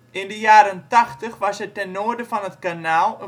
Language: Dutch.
In de jaren tachtig was er ten noorden van het kanaal